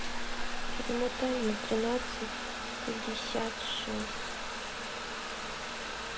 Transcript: перемотай на тринадцать пятьдесят шесть